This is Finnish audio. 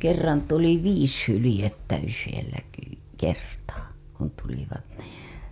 kerran tuli viisi hyljettä yhdellä - kertaa kun tulivat niin